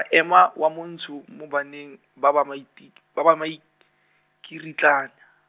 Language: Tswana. ema wa Montsho mo banneng, ba ba maipik-, ba ba maikiritlana-.